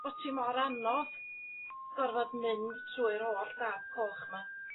bo't 'i mor anodd gorfod mynd trwy'r 'oll dap coch 'ma.